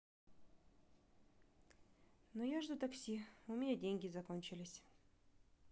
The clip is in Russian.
ну я жду такси у меня деньги закончились